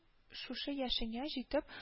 Шушы яшеңә җитеп